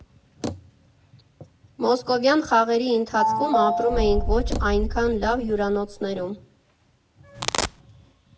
Մոսկովյան խաղերի ընթացքում ապրում էինք ոչ այնքան լավ հյուրանոցներում։